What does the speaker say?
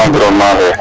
no environnement fe n